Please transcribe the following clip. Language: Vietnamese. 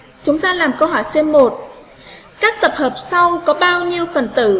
chúng ta làm câu hỏi c các tập hợp sau có bao nhiêu phần tử